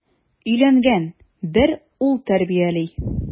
Өйләнгән, бер ул тәрбияли.